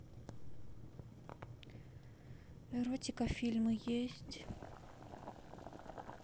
эротика фильмы есть